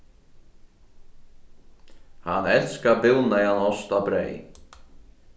hann elskar búnaðan ost á breyð